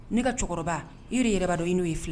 N'i ka cɛkɔrɔba i yɛrɛ yɛrɛ b' dɔn n'o ye filɛ